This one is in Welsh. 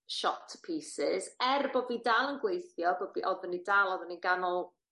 shot to pieces er bo' fi dal yn gweithio bo' fi odden i dal oedden i'n ganol